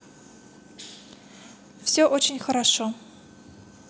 все очень хорошо